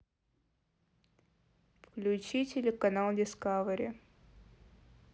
включи телеканал дискавери